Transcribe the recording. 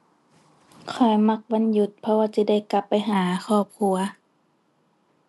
ข้อยมักวันหยุด เพราะว่าจิได้กลับไปหาครอบครัว